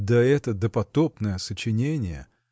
— Да это допотопное сочинение.